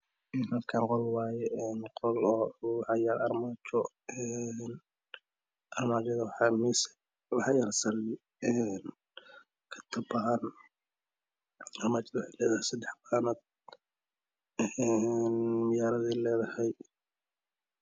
Een halkaan qol waaye een qol waxa yaalo armaajo een armaajada yaalo kataban armaajada waxay leedahay sadex qaanad een muyaaradey leedahay